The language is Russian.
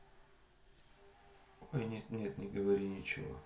ой нет нет не говори ничего